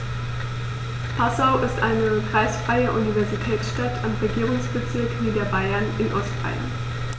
Passau ist eine kreisfreie Universitätsstadt im Regierungsbezirk Niederbayern in Ostbayern.